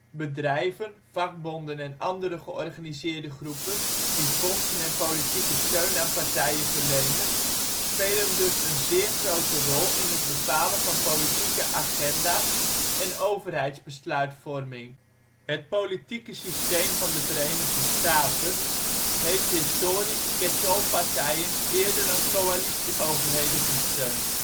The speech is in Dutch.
bedrijven, vakbonden en andere georganiseerde groepen die fondsen en politieke steun aan partijen verlenen een zeer grote rol in het bepalen van politieke agenda 's en overheidsbesluitvorming. Het politieke systeem van Verenigde Staten heeft historisch „ catch-all partijen “eerder dan coalitieoverheden gesteund